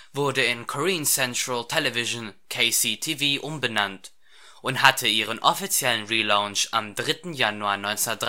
wurde in Korean Central Television (KCTV) umbenannt und hatte ihren offiziellen Relaunch am 3. Januar 1973